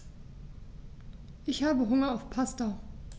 Ich habe Hunger auf Pasta.